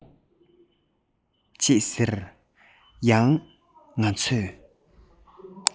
ཅེས ཟེར ཡང ང ཚོས